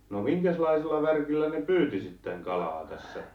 no minkäslaisella värkillä ne pyysi sitten kalaa tässä